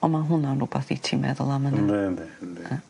on' ma' hwnna'n wbath i ti meddwl am yn y... Yndi yndi. Yndi.